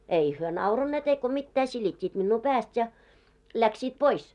ei he nauraneet eikä mitään silittivät minua päästä ja lähtivät pois